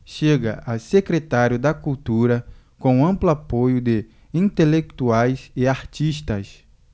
chega a secretário da cultura com amplo apoio de intelectuais e artistas